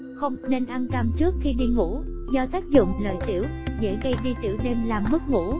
không nên ăn cam trước khi đi ngủ do tác dụng lợi tiểu dễ gây đi tiểu đêm làm mất ngủ